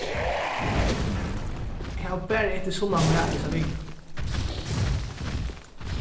eg havi bara etið sunnan mat hesa vikuna